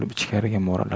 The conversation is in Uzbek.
ichkariga mo'raladi